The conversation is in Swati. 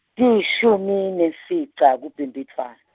tilishumi nemfica kuBhimbidvwane.